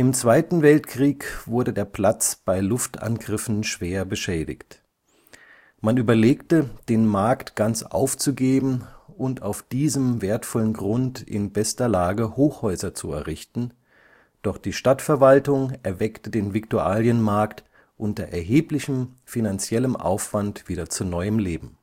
Zweiten Weltkrieg wurde der Platz bei Luftangriffen schwer beschädigt. Man überlegte, den Markt ganz aufzugeben und auf diesem wertvollen Grund in bester Lage Hochhäuser zu errichten, doch die Stadtverwaltung erweckte den Viktualienmarkt unter erheblichem finanziellem Aufwand wieder zu neuem Leben